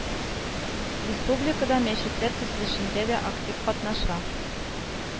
Республикада мәчетләр төзелешендә дә актив катнаша